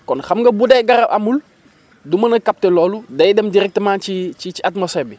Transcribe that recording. kon xam nga bu dee garab amul du mën a capter loolu day dem rirectement ci ci atmosphère bi